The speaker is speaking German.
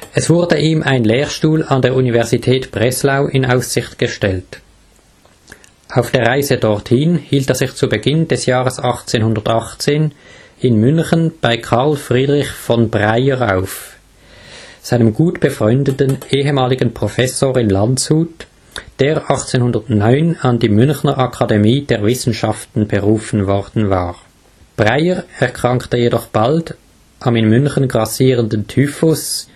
Es wurde ihm ein Lehrstuhl an der Universität Breslau in Aussicht gestellt. Auf der Reise dorthin hielt er sich zu Beginn des Jahres 1818 in München bei Karl Friedrich von Breyer auf, seinem gut befreundeten ehemaligen Professor in Landshut, der 1809 an die Münchner Akademie der Wissenschaften berufen worden war. Breyer erkrankte jedoch bald am in München grassierenden Typhus